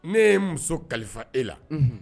Ne ye muso kalifa e la